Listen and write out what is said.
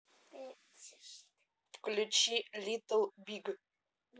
включи литл биг